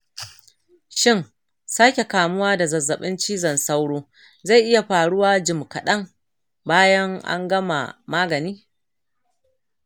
shin sake kamuwa da zazzabin cizon sauro zai iya faruwa jim kaɗan bayan an gama magani?